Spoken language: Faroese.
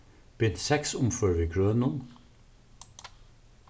bint seks umfør við grønum